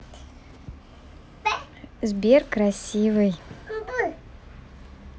сбер красивый